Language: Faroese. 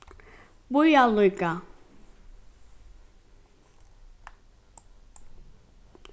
bíða líka